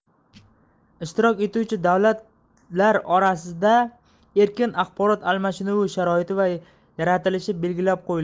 ishtirok etuvchi davlatlar orasida erkin axborot almashinuvi sharoiti yaratilishi belgilab qo'yilgan